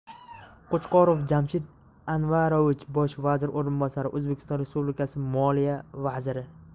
qo'chqorov jamshid anvarovich bosh vazir o'rinbosari o'zbekiston respublikasi moliya vaziri